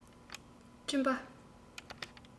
སྤྲིན པ